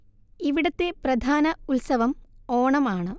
ഇവിടത്തെ പ്രധാന ഉത്സവം ഓണം ആണ്